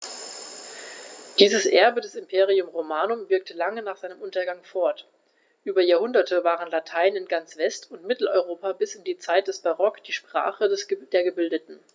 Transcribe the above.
Dieses Erbe des Imperium Romanum wirkte lange nach seinem Untergang fort: Über Jahrhunderte war Latein in ganz West- und Mitteleuropa bis in die Zeit des Barock die Sprache der Gebildeten.